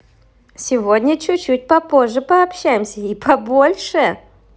сегодня чуть чуть попозже пообщаемся и побольше